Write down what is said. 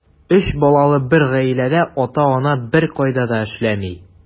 Өч балалы бер гаиләдә ата-ана беркайда да эшләми.